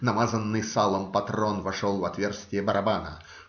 намазанный салом патрон вошел в отверстие барабана